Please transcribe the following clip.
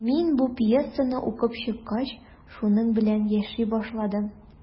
Мин бу пьесаны укып чыккач, шуның белән яши башладым.